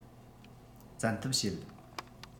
བཙན ཐབས བྱེད